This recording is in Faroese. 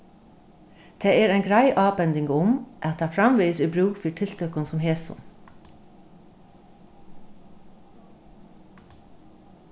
tað er ein greið ábending um at tað framvegis er brúk fyri tiltøkum sum hesum